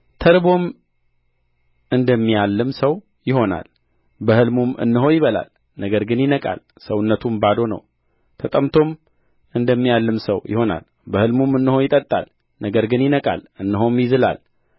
ተርቦም እንደሚያልም ሰው ይሆናል በሕልሙም እነሆ ይበላል ነገር ግን ይነቃል ሰውነቱም ባዶ ነው ተጠምቶም እንደሚያልም ሰው ይሆናል በሕልሙም እነሆ ይጠጣል ነገር ግን ይነቃል እነሆም ይዝላል